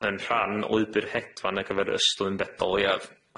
yn rhan o lwybyr hedfan ar gyfer ystlum bedol leiaf